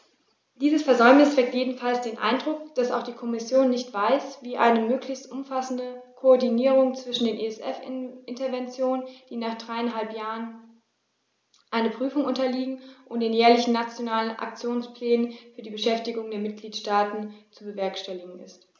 Dieses Versäumnis weckt jedenfalls den Eindruck, dass auch die Kommission nicht weiß, wie eine möglichst umfassende Koordinierung zwischen den ESF-Interventionen, die nach dreieinhalb Jahren einer Prüfung unterliegen, und den jährlichen Nationalen Aktionsplänen für die Beschäftigung der Mitgliedstaaten zu bewerkstelligen ist.